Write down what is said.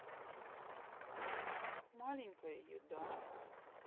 маленькая еда